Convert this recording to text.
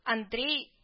Андрей